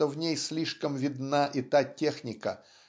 что в ней слишком видна и та техника